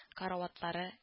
Караватлары